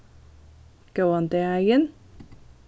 góðan dagin